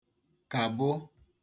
kàbụ